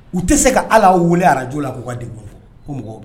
U tɛ se ka ala weele araj la k'u ka den ko